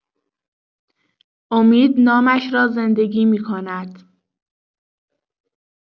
امید نامش را زندگی می‌کند.